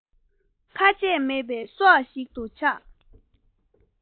ཁ ཆད མེད པའི སྲོལ ཞིག ཏུ ཆགས